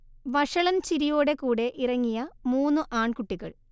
വഷളൻ ചിരിയോടെ കൂടെ ഇറങ്ങിയ മൂന്നു ആൺകുട്ടികൾ